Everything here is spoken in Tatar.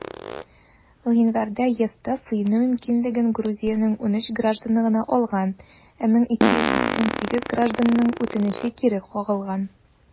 Гыйнварда ЕСта сыену мөмкинлеген Грузиянең 13 гражданы гына алган, ә 1288 гражданның үтенече кире кагылган.